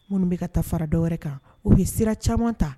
Munun be ka taa fara dɔ wɛrɛ kan u be sira caman ta.